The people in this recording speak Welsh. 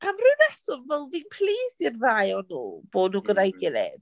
Am ryw reswm fel fi'n pleased i'r ddau o nhw bo' nhw gyda'i gilydd.